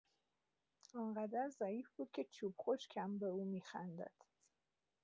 آنقدر ضعیف بود که چوب خشک هم به او می‌خندد.